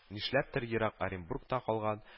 Нишләптер ерак оренбургта калган